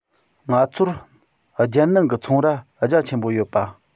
ང ཚོར རྒྱལ ནང གི ཚོང ར རྒྱ ཆེན པོ ཡོད པ